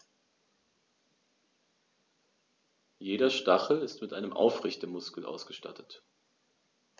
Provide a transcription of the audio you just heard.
Jeder Stachel ist mit einem Aufrichtemuskel ausgestattet.